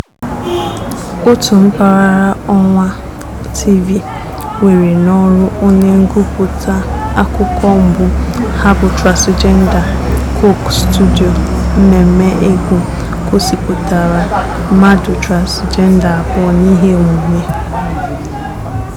Otu mpaghara ọwa TV were n’ọrụ onye ngụpụta akụkọ mbụ ha bụ transịjenda; Coke studio, mmemme egwu, gosipụtara mmadụ transịjenda abụọ n'ihe omume.